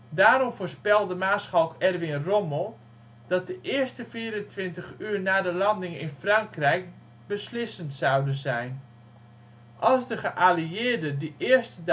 Daarom voorspelde maarschalk Erwin Rommel dat de eerste 24 uur na de landing in Frankrijk beslissend zouden zijn; als de geallieerden die eerste